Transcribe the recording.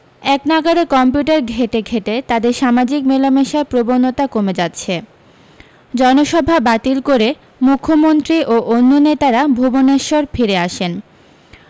একনাগাড়ে computer ঘেঁটে ঘেঁটে তাদের সামাজিক মেলামেশার প্রবণতা কমে যাচ্ছে জনসভা বাতিল করে মুখ্যমন্ত্রী ও অন্য নেতারা ভুবনেশ্বর ফিরে আসেন